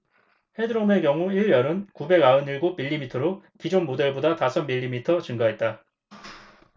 헤드룸의 경우 일 열은 구백 아흔 일곱 밀리미터로 기존 모델보다 다섯 밀리미터 증가했다